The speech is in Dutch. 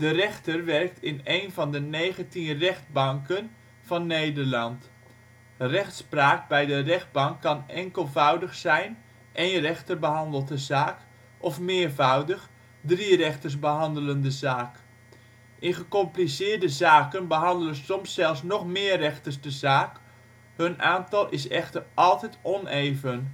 rechter werkt in een van de negentien rechtbanken die Nederland rijk is. Rechtspraak bij de rechtbank kan enkelvoudig zijn (één rechter behandelt de zaak) of meervoudig (drie rechters behandelen de zaak). In gecompliceerde zaken behandelen soms zelfs nog meer rechters de zaak, hun aantal is echter altijd oneven